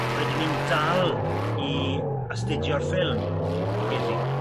rydyn ni'n dal i astudio'r ffilm heddi.